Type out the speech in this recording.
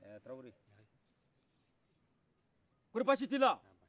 taraowere kɔri bachitila